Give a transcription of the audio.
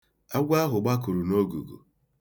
Agwọ ahụ gbakụrụ n'ogugu.